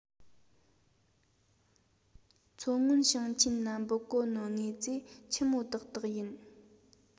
མཚོ སྔོན ཞིང ཆེན ན འབུད གོ ནོ དངོས རྫས ཆི མོ དག དག ཡིན